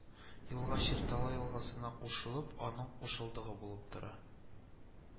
Елга Чертала елгасына кушылып, аның кушылдыгы булып тора